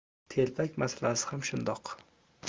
telpak masalasi ham shundoq